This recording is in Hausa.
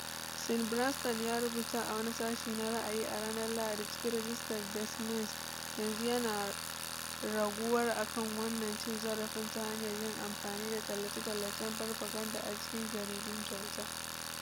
Sin, Branstad ya rubuta a wani sashi na ra'ayi a ranar Lahadi cikin Ragista Des Moines, "yanzu yana raguwar a kan wannan cin zarafi ta hanyar yin amfani da tallace-tallacen farfaganda a cikin jaridun kyauta."